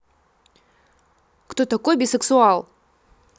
кто такой бисексуал